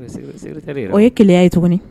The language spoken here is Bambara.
O ye secré secrétaire yɛrɛ ye o ye keleya ye tuguni